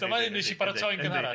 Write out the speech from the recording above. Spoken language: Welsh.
Dyma un wnes i baratoi yn gynharach.